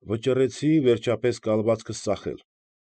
Վճռեցի, վերջապես, կալվածքս ծախել։